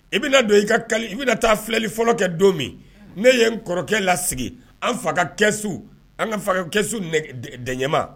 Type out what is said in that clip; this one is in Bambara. I bɛna don i ka kali i bɛna taa filɛli fɔlɔ kɛ don min ne ye n kɔrɔkɛ lasigi an fa ka kɛsu an ka fa ka kɛsu dɛɲɛma